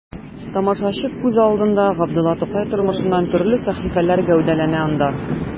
Тамашачы күз алдында Габдулла Тукай тормышыннан төрле сәхифәләр гәүдәләнә анда.